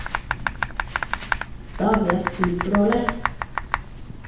Da blir jeg superdårlig.